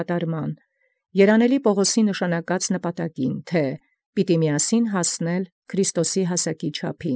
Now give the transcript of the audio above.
Կատարումն՝ ի նշանակեալ նպատակն երանելւոյն Պաւղոսի, եթէ՝ «Միաբան հասանել ի չափ հասակին Քրիստոսիե։